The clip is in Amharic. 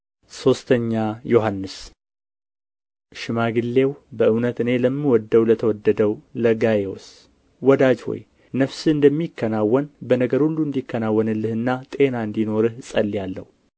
ሶስተኛ ዮሐንስ ምዕራፍ አንድ ሽማግሌው በእውነት እኔ ለምወደው ለተወደደው ለጋይዮስ ወዳጅ ሆይ ነፍስህ እንደሚከናወን በነገር ሁሉ እንዲከናወንልህና ጤና እንዲኖርህ እጸልያለሁ